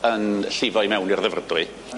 yn llifo i mewn i'r Ddyfrdwy.